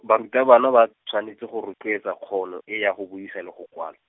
barutabana ba, tshwanetse go rotloetsa kgono e ya go buisa le go kwala.